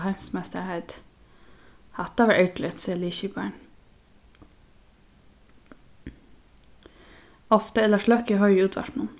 til heimsmeistaraheitið hatta var ergiligt segði liðskiparin ofta er lars løkke at hoyra í útvarpinum